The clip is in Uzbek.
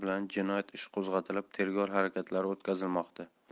bilan jinoyat ishi qo'zg'atilib tergov harakatlari o'tkazilmoqda